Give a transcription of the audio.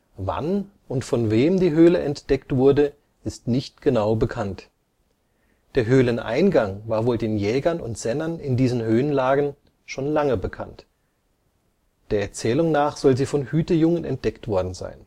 Wann und von wem die Höhle entdeckt wurde, ist nicht genau bekannt. Der Höhleneingang war wohl den Jägern und Sennern in diesen Höhenlagen schon lange bekannt. Der Erzählung nach soll sie von Hütejungen entdeckt worden sein